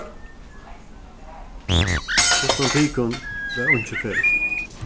uttan tykum var einki felag